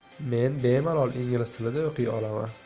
men bemalol ingliz tilida o'qiy olaman